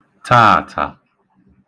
taàtà